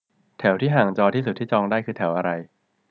แถวที่ห่างจอที่สุดที่จองได้คือแถวอะไร